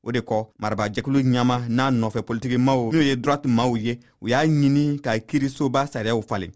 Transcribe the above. o de kɔ marabaajɛkulu ɲɛmaa n'a nɔfɛ politikimaaw minnu ye droite maaw ye u y'a ɲini ka kiirisoba sariyaw falen